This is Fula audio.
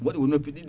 waɗi ko noppi ɗiɗi